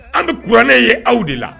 An bɛ kuranɛ ye aw de la